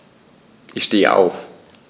Ich stehe auf.